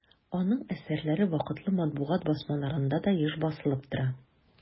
Аның әсәрләре вакытлы матбугат басмаларында да еш басылып тора.